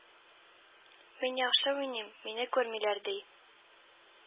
Мин яхшы уйныйм, мине күрмиләр, ди